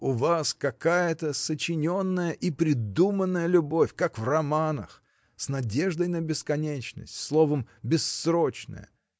— У вас какая-то сочиненная и придуманная любовь. как в романах. с надеждой на бесконечность. словом — бессрочная!